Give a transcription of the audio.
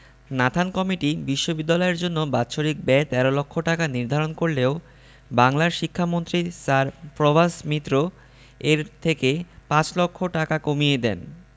Nathan committee বিশ্ববিদ্যালয়ের জন্য বাৎসরিক ব্যয় ১৩ লক্ষ টাকা নির্ধারণ করলেও বাংলার শিক্ষামন্ত্রী স্যার প্রভাস মিত্র এর থেকে পাঁচ লক্ষ টাকা কমিয়ে দেন